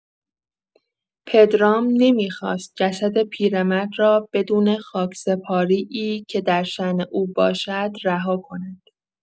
پدارم نمی‌خواست جسد پیرمرد را بدون خاک‌سپاری‌ای که درشان او باشد، رها کند.